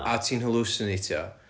a ti'n halwsineitio